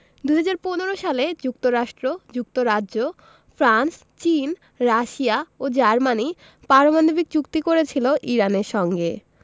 ২০১৫ সালে যুক্তরাষ্ট্র যুক্তরাজ্য ফ্রান্স চীন রাশিয়া ও জার্মানি পারমাণবিক চুক্তি করেছিল ইরানের সঙ্গে